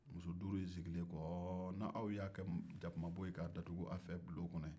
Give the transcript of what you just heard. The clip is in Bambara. muso duuru in sigilen ko ɔɔ n'aw y'a kɛ jakumabo ye k'a datugun aw fɛ bulon kɔnɔ yen